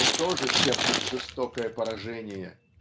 он тоже терпит жестокое поражение.